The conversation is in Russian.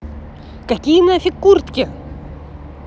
какие нафиг куртки